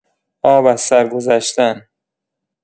آب از سر گذشتن